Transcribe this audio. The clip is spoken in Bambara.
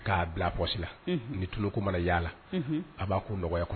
K'a bilaɔsi la ni tko mana yaala a b'a ko nɔgɔya kɔnɔ